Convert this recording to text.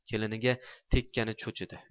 keliniga tekkani cho'chidi